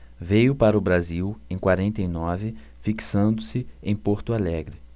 veio para o brasil em quarenta e nove fixando-se em porto alegre